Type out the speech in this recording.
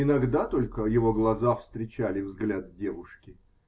иногда только его глаза встречали взгляд девушки.